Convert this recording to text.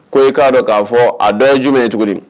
Ko e k'a dɔn k'a fɔ a dɔ ye jumɛn ye tuguni